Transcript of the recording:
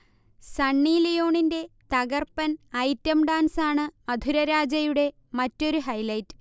സണ്ണി ലിയോണിൻറെ തകർപ്പൻ ഐറ്റം ഡാൻസാണ് മധുരരാജയുടെ മറ്റൊരു ഹൈലൈറ്റ്